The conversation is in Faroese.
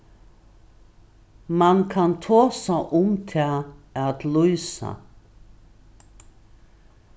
mann kann tosa um tað at lýsa